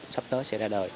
sắp tới sẽ ra đời